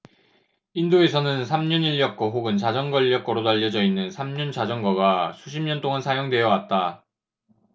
인도에서는 삼륜 인력거 혹은 자전거 인력거로도 알려져 있는 삼륜 자전거가 수십 년 동안 사용되어 왔다